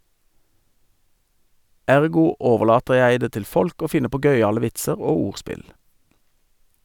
Ergo overlater jeg det til folk å finne på gøyale vitser og ordspill.